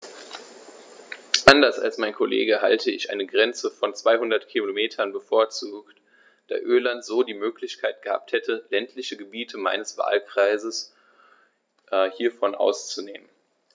Anders als mein Kollege hätte ich eine Grenze von 200 km bevorzugt, da Irland so die Möglichkeit gehabt hätte, ländliche Gebiete meines Wahlkreises hiervon auszunehmen.